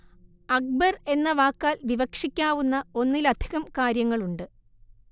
അക്ബർ എന്ന വാക്കാൽ വിവക്ഷിക്കാവുന്ന ഒന്നിലധികം കാര്യങ്ങളുണ്ട്